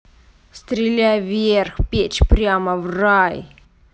стреляй вверх печь прямо в рай